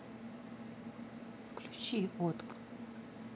включи отр